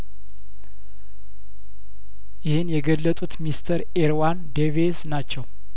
ይህን የገለጡት ሚስተር ኢርዋን ደቬዝ ናቸው